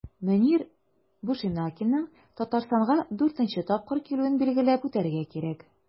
Мөнир Бушенакиның Татарстанга 4 нче тапкыр килүен билгеләп үтәргә кирәк.